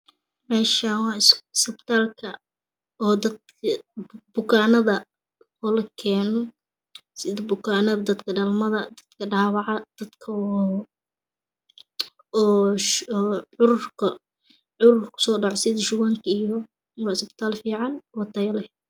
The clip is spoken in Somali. Meeshan waa is bitaalka oo dadka bukanaada ah lakeeno sida bukanaada dadka dhalmada dadka dhaawaca dadka oo cudurka kusoo dhoco sida shubanka wa is bital fican oo tayo leh